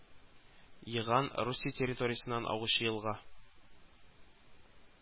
Еган Русия территориясеннән агучы елга